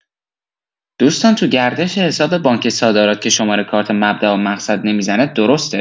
دوستان تو گردش حساب بانک صادرات که شماره کارت مبدا و مقصد نمی‌زنه درسته؟